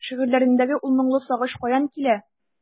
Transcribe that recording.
Шигырьләреңдәге ул моңлы сагыш каян килә?